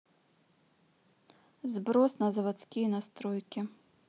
сброс на заводские настройки